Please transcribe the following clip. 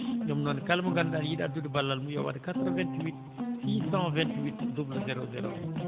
ɗum noon kala mo ngannduɗaa ene yiɗi addude ballal mum yo waɗɗ 88 628 00 01